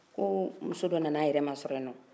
ko muso dɔ nana a yɛrɛ masɔrɔ yen nɔ